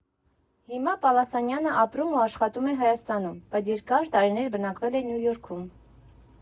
Հիմա Պալասանյանը ապրում ու աշխատում է Հայաստանում, բայց երկար տարիներ բնակվել է Նյու Յորքում։